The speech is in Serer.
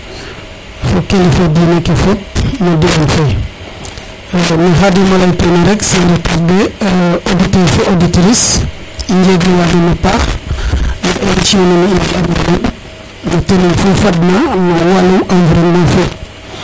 fo kilifa diine ke fop no diwan fe no Khadim a leytuna rek sans retardé auditeur fo auditrice i njeglu wa nuuna paax no emission nen i mbiya na nuun no teniŋ fu fadna no walu environnement fe